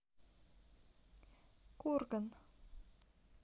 курган